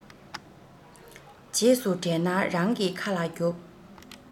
རྗེས སུ དྲན ན རང གི ཁ ལ རྒྱོབ